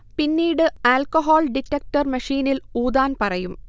പിന്നീട് alcohol detector മെഷീനിൽ ഊതാൻ പറയും